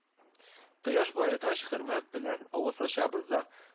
Кояш баегач хөрмә белән авыз ачабыз да